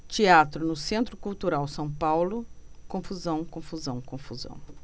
teatro no centro cultural são paulo confusão confusão confusão